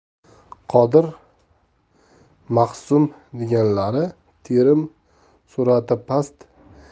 qodir maxsum deganlari terim surati